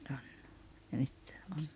on ja nyt on